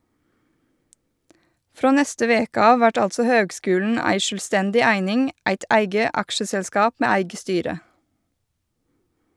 Frå neste veke av vert altså høgskulen ei sjølvstendig eining, eit eige aksjeselskap med eige styre.